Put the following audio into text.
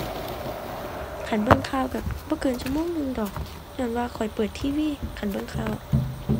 คันเบิ่งข่าวก็บ่เกินชั่วโมงหนึ่งดอก ญ้อนว่าข้อยเปิด TV คันเบิ่งข่าวอะ